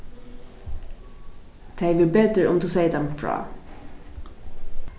tað hevði verið betur um tú segði teimum frá